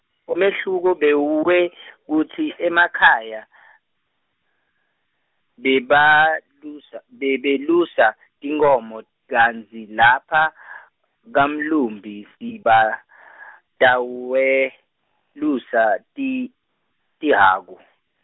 umehluko bewuwekutsi emakhaya, bebalusa- bebelusa tinkhomo kantsi lapha , kamlumbi, sebatawelusa ti- tihhaku.